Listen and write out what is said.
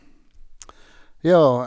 Ja.